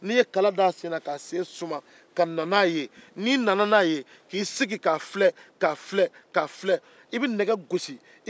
n'i ye kala d'a sen na k'a suma i bɛ na n'a ye k'i sigi k'a filɛ i bɛ nɛgɛ gosi